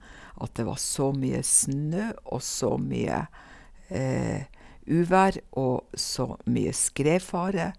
At det var så mye snø og så mye uvær og så mye skredfare.